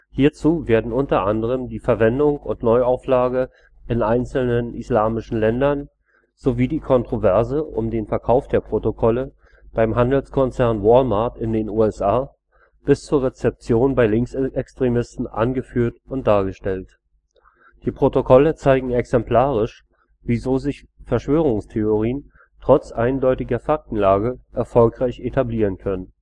Hierzu werden unter anderem die Verwendung und Neuauflage in einzelnen islamischen Ländern sowie die Kontroverse um den Verkauf der Protokolle beim Handelskonzern Walmart in den USA bis zur Rezeption bei Linksextremisten angeführt und dargestellt. Die Protokolle zeigten exemplarisch, wieso sich Verschwörungstheorien trotz eindeutiger Faktenlage erfolgreich etablieren können